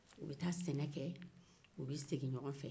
u bɛ taa sɛnɛkɛ u bɛ segin ɲɔgɔn fɛ